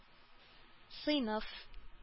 Сыйныф